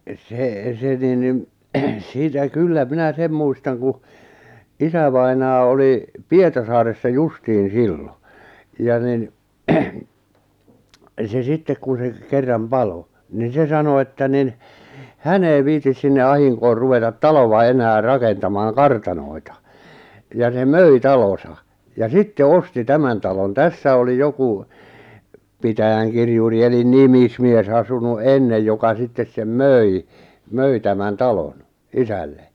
se se niin niin siitä kyllä minä sen muistan kun isävainaa oli Pietarsaaressa justiin silloin ja niin se sitten kun se kerran paloi niin se sanoi että niin hän ei viitsi sinne ahdinkoon ruveta taloa enää rakentamaan kartanoita ja se möi talonsa ja sitten osti tämän talon tässä oli joku pitäjänkirjuri eli nimismies asunut ennen joka sitten sen möi möi tämän talon isälle